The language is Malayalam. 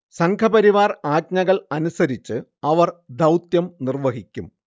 സംഘപരിവാർ ആജ്ഞകൾ അനുസരിച്ച് അവർ ദൗത്യം നിർവ്വഹിക്കും